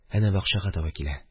Әнә бакчага таба килә